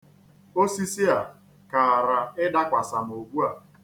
Osisi a kaara ịdakwasa m ugbu a.